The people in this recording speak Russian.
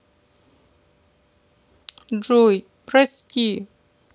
джой прости